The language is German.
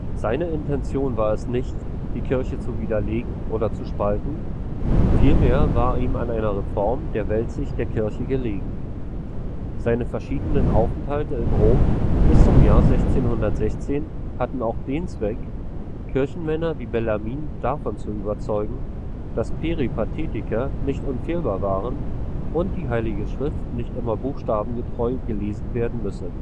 Seine Intention war es nicht, die Kirche zu widerlegen oder zu spalten, vielmehr war ihm an einer Reform der Weltsicht der Kirche gelegen. Seine verschiedenen Aufenthalte in Rom bis zum Jahr 1616 hatten auch den Zweck, Kirchenmänner wie Bellarmin davon zu überzeugen, dass die Peripatetiker nicht unfehlbar waren und die Heilige Schrift nicht immer buchstabengetreu gelesen werden müsse